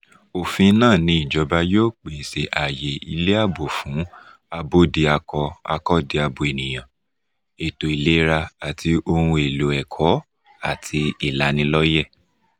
Òfin náà ní ìjọba yóò pèsè àyè ilé ààbò fún Abódiakọ-akọ́diabo ènìyàn, ètò ìlera àti ohun èlò ẹ̀kọ́ àti ilanilọ́yẹ.